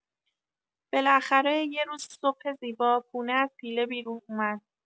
بالاخره، یه روز صبح زیبا، پونه از پیله بیرون اومد.